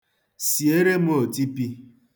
Siere m otipi.